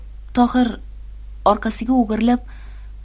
tohir orqasiga o'girilib